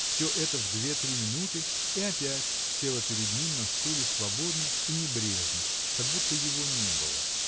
Всё это в две-три минуты, и опять села перед ним на стуле свободно и небрежно, как будто его не было.